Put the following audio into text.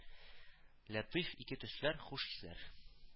Ләтыйф ике төсләр, хуш исләр